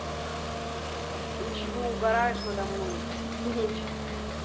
ничего угораешь надо мной мечет